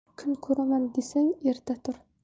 kun ko'raman desang erta tur